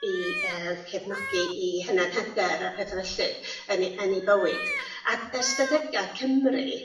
i yy cefnogi 'i hunanhader a petha felly yn 'u yn 'u bywyd ac ystadega Cymru